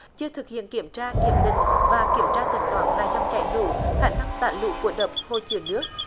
chưa thực hiện kiểm tra kiểm định và kiểm tra tính toán lại dòng chảy lũ khả năng xả lũ của đập hồ chứa nước